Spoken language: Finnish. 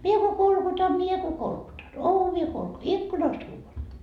minä kun kolkutan minä kun kolkutan ovea - ikkunasta huudan